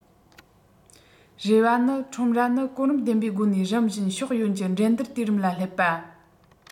རེ བ ནི ཁྲོམ ར ནི གོ རིམ ལྡན པའི སྒོ ནས རིམ བཞིན ཕྱོགས ཡོངས ཀྱི འགྲན བསྡུར དུས རིམ ལ སླེབས པ